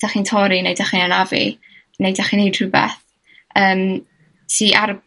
'dach chi'n torri neu 'dach chi'n anafu neu 'dach chi'n neud rhwbeth yym sy ar